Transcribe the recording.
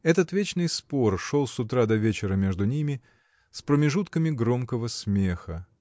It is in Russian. Этот вечный спор шел с утра до вечера между ними, с промежутками громкого смеха.